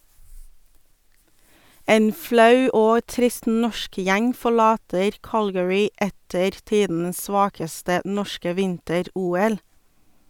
En flau og trist norsk gjeng forlater Calgary etter tidenes svakeste norske vinter-OL.